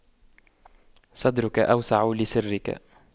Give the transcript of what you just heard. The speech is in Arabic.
صدرك أوسع لسرك